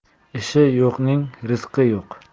ishi yo'qning rizqi yo'q